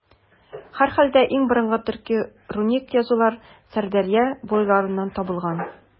Һәрхәлдә, иң борынгы төрки руник язулар Сырдәрья буйларыннан табылган.